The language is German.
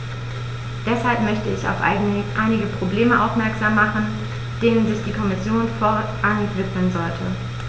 Deshalb möchte ich auf einige Probleme aufmerksam machen, denen sich die Kommission vorrangig widmen sollte.